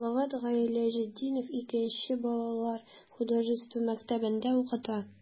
Салават Гыйләҗетдинов 2 нче балалар художество мәктәбендә укыта.